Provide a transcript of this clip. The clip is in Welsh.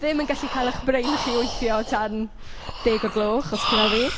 Ddim yn gallu cael eich brain chi weithio tan deg o'r gloch, os chi fel fi.